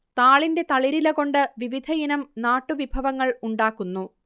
താളിന്റെ തളിരിലകൊണ്ട് വിവിധയിനം നാട്ടുവിഭവങ്ങൾ ഉണ്ടാക്കുന്നു